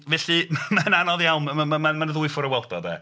Felly m- mae'n anodd iawn ma' ma' ma' ma' 'na ddwy ffor' o weld o de.